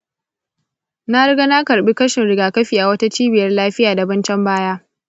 na riga na karɓi kashin rigakafi a wata cibiyar lafiyar daban can baya.